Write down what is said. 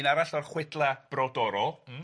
Un arall o'r chwedla brodorol. Mm.